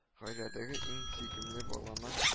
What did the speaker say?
Гаиләдәге иң сөйкемле баланың